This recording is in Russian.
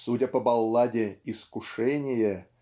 судя по балладе "Искушение"